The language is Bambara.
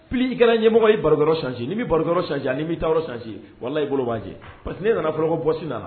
P ikɛla ɲɛmɔgɔ ii baro s sanc ni bɛ baroyɔrɔ sanc ni'i taaro santi wala i bolo' cɛ pa parce que ne nana nafolokɔ bɔsiina na